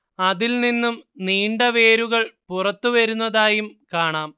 അതിൽ നിന്നും നീണ്ട വേരുകൾ പുറത്തു വരുന്നതായും കാണാം